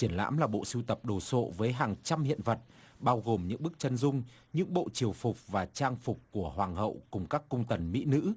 triển lãm là bộ sưu tập đồ sộ với hàng trăm hiện vật bao gồm những bức chân dung những bộ triều phục và trang phục của hoàng hậu cùng các cung tần mỹ nữ